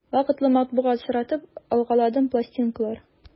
Вакытлы матбугат соратып алгаладым, пластинкалар...